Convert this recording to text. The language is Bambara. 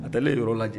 A taale yɔrɔ lajɛ